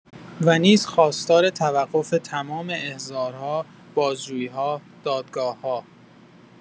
و نیز خواستار توقف تمام احضارها، بازجویی‌ها، دادگاه‌ها